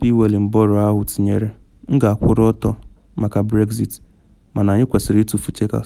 MP Wellingborough ahụ tinyere: ‘M ga-akwụrụ ọtọ maka Brexit mana anyị kwesịrị itufu Chequers.’